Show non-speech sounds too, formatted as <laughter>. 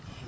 <hesitation>